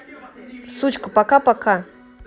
сучка пока пока